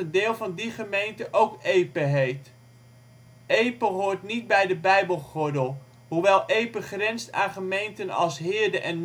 deel van die gemeente ook Epe heet. Epe hoort niet bij de Bijbelgordel. Hoewel Epe grenst aan gemeenten als Heerde en